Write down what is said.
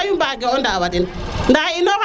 wiin mayu mbage o ndawa den